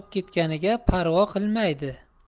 oqib ketganiga parvo qilmaydi